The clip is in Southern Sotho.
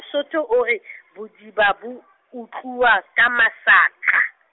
sotho o re , bodiba bo, utluwa ka mosaqa.